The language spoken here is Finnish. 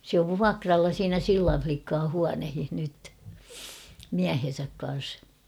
se on vuokralla siinä Sillan likkojen huoneissa nyt miehensä kanssa